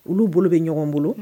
Olu bolo be ɲɔgɔn bolo